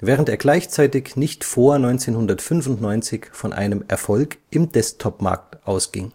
während er gleichzeitig nicht vor 1995 von einem Erfolg im Desktopmarkt ausging